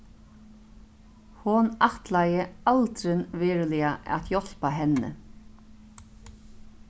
hon ætlaði aldrin veruliga at hjálpa henni